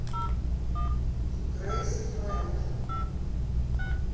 грэйс и фрэнки